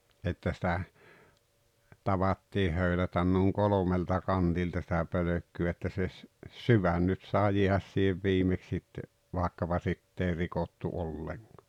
että sitä tavattiin höylätä noin kolmelta kantilta sitä pölkkyä että se - sydän nyt saa jäädä siihen viimeksi sitten vaikkapa sitten ei rikottu ollenkaan